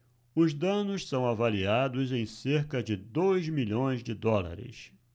os danos são avaliados em cerca de dois milhões de dólares